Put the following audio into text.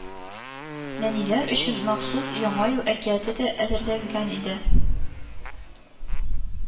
Нәниләр өчен махсус Яңа ел әкияте дә әзерләнгән иде